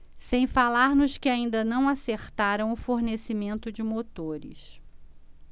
sem falar nos que ainda não acertaram o fornecimento de motores